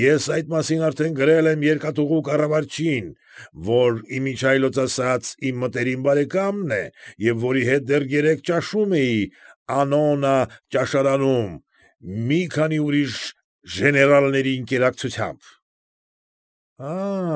Ես այդ մասին արդեն գրել եմ երկաթուղու կառավարչին, որ, իմիջիայլոց ասած, իմ մտերիմ բարեկամն է և որի հետ դեռ երեկ ճաշում էի «Անոննա» ճաշարանում, մի քանի ուրիշ ժեներալների ընկերակցությամբ։ ֊